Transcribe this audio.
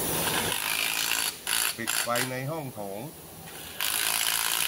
ปิดไฟในห้องโถง